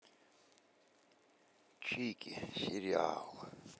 чики сериал